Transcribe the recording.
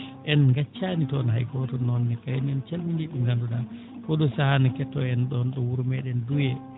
en ngaccaani toon hay gooto noon ne kaye ne en calminii ɓe nganduɗaa ooɗoo sahaa ne kettoo en ɗoon ɗo wuro meeɗen Douwé